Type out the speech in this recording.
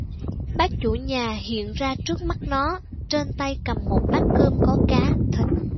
bác chủ nhà hiện ra trước mắt nó trên tay cầm một bát cơm có cá thịt